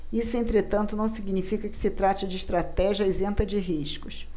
isso entretanto não significa que se trate de estratégia isenta de riscos